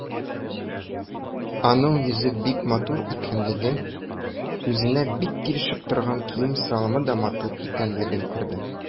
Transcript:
Аның йөзе бик матур икәнлеген, үзенә бик килешеп торган кием-салымы да матур икәнлеген күрде.